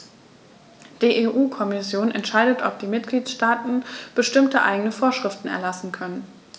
Die EU-Kommission entscheidet, ob die Mitgliedstaaten bestimmte eigene Vorschriften erlassen können.